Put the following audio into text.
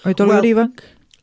Oedolion ifanc?